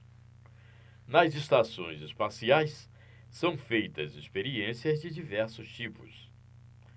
nas estações espaciais são feitas experiências de diversos tipos